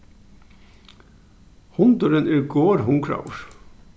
hundurin er gorhungraður